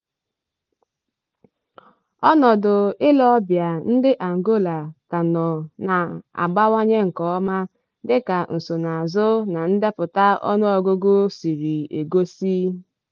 Ọnọdụ ịle ọbịa ndị Angola ka nọ na-abawanye nkeọma, dịka nsonazụ na ndepụta ọnụọgụgụ siri egosi.